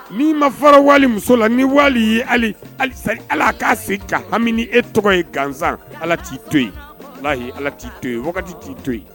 Ni ma fara wali muso la ni wali ye hali ala k'a se ka hami e tɔgɔ ye gansan ala t'i to yen n' ye ala t'i to yen t'i to yen